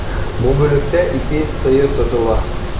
Бу бүлектә 200 сыер тотыла.